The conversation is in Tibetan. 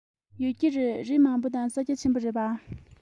ཡོད ཀྱི རེད རི མང པོ དང ས རྒྱ ཆེན པོ རེད པ